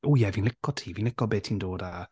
Ww ie, fi'n licio ti, fi'n licio be ti'n dod â.